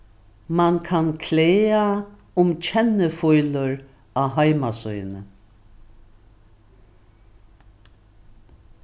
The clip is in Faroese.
mann kann klaga um kennifílur á heimasíðum